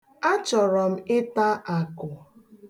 A chọrọ ịta akụ.